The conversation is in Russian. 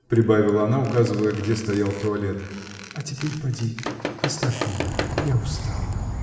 — прибавила она, указывая, где стоял туалет. — А теперь поди. оставь меня. я устала.